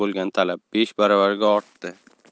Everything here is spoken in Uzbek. bo'lgan talab besh baravarga ortdi